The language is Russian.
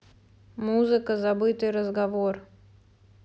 музыка забытый разговор